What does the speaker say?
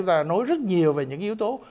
đã nói rất nhiều về những yếu tố